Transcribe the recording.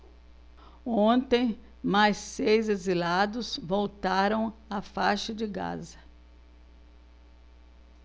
ontem mais seis exilados voltaram à faixa de gaza